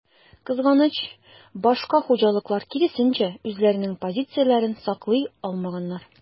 Кызганыч, башка хуҗалыклар, киресенчә, үзләренең позицияләрен саклый алмаганнар.